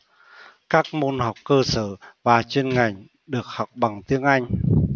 các môn học cơ sở và chuyên ngành được học bằng tiếng anh